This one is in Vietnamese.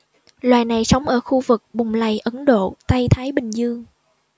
loài này sống ở khu vực bùn lầy ấn độ tây thái bình dương